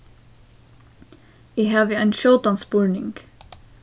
eg havi ein skjótan spurning